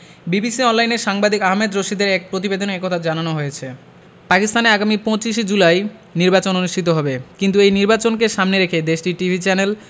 BBC অনলাইনে সাংবাদিক আহমেদ রশিদের এক প্রতিবেদনে এ কথা জানানো হয়েছে পাকিস্তানে আগামী ২৫ শে জুলাই নির্বাচন অনুষ্ঠিত হবে কিন্তু এই নির্বাচনকে সামনে রেখে দেশটির টিভি চ্যানেল